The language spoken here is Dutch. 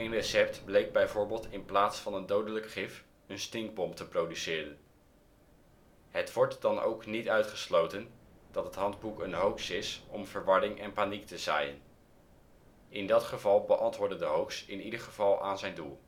recept bleek bijvoorbeeld in plaats van een dodelijk gif een stinkbom te produceren. Het wordt dan ook niet uitgesloten dat het handboek een hoax is om verwarring en paniek te zaaien. In dat geval beantwoordde de hoax inderdaad aan zijn doel